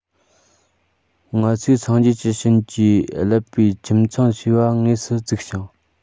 ང ཚོས སངས རྒྱས ཀྱི བྱིན གྱིས བརླབས པའི ཁྱིམ ཚང ཞེས པ དངོས སུ བཙུགས ཤིང